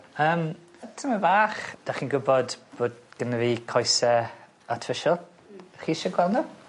Yym tymed bach. Dach chi'n gwbod bod gennddo fi coese artiffisial? Chi isie gweld nw?